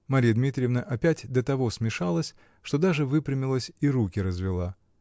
Марья Дмитриевна опять до того смешалась, что даже выпрямилась и руки развела.